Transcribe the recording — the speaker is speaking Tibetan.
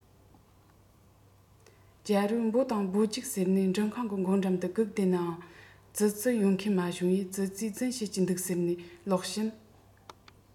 རྒྱལ པོས འབོ དང འབོ རྒྱུགས ཁྱེར ནས འབྲུ ཁང གི སྒོ འགྲམ དུ སྒུག བསྡད ནའང ཙི ཙི ཡོང མཁན མ བྱུང བས ཙི ཙིས རྫུན བཤད ཀྱི འདུག ཟེར ནས ལོག ཕྱིན